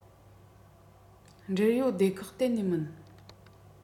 འབྲེལ ཡོད སྡེ ཁག གཏན ནས མིན